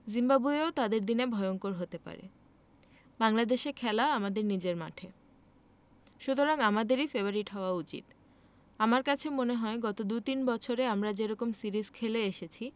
জিম্বাবুয়েও তাদের দিনে ভয়ংকর হতে পারে বাংলাদেশে খেলা আমাদের নিজেদের মাঠে সুতরাং আমাদেরই ফেবারিট হওয়া উচিত আমার কাছে মনে হয় গত দু-তিন বছরে আমরা যে রকম সিরিজ খেলে এসেছি